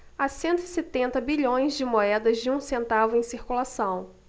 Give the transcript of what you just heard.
há cento e setenta bilhões de moedas de um centavo em circulação